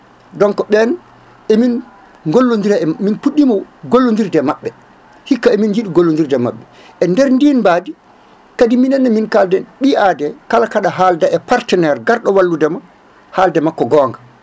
donc ɓen emin gollodira e min puɗɗima gollodirde mabɓe hikka emin jiiɗi gollodirde e mabɓe e nder ndin baadi kadi minenne mi kaldoyat ɓi aade kala haalda e partenaire garɗo walludema haalde makko googua